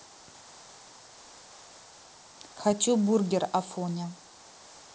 хочу бургер афоня